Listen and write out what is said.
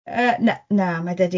yy na- na, ma' d- dydi e